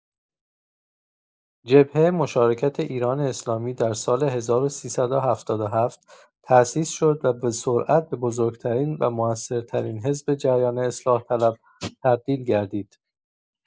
جبهه مشارکت ایران اسلامی در سال ۱۳۷۷ تأسیس شد و به‌سرعت به بزرگ‌ترین و مؤثرترین حزب جریان اصلاح‌طلب تبدیل گردید.